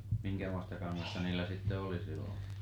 minkämoista kangasta niillä sitten oli silloin